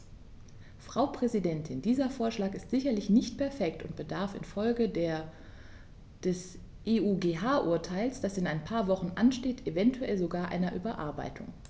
Frau Präsidentin, dieser Vorschlag ist sicherlich nicht perfekt und bedarf in Folge des EuGH-Urteils, das in ein paar Wochen ansteht, eventuell sogar einer Überarbeitung.